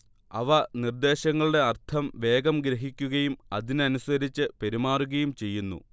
അവ നിർദ്ദേശങ്ങളുടെ അർത്ഥം വേഗം ഗ്രഹിക്കുകയും അതിനനുസരിച്ച് പെരുമാറുകയും ചെയ്യുന്നു